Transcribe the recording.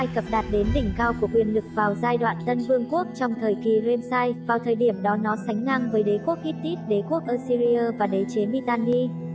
ai cập đạt đến đỉnh cao của quyền lực vào giai đoạn tân vương quốc trong thời kỳ ramesside vào thời điểm đó nó sánh ngang với đế quốc hittite đế quốc assyria và đế chế mitanni